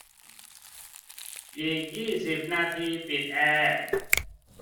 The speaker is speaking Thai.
อีกยี่สิบนาทีปิดแอร์